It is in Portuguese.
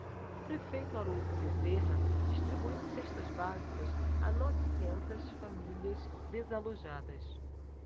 o prefeito haroldo bezerra distribuiu cestas básicas a novecentas famílias desalojadas